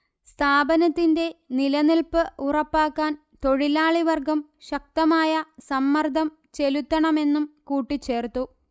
സ്ഥാപനത്തിന്റെ നിലനിൽപ്പ് ഉറപ്പാക്കാൻ തൊഴിലാളി വർഗം ശക്തമായ സമ്മർദ്ദം ചെലുത്തണമെന്നും കൂട്ടിച്ചേർത്തു